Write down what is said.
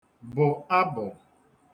bụ̀ abụ̀